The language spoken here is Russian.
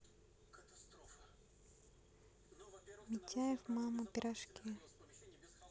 митяев мама пирожки